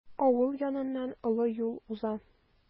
Авыл яныннан олы юл уза.